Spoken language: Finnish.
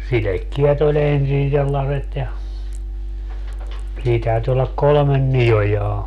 sidekkeet oli ensin sellaiset ja siinä täytyi olla kolme niojaa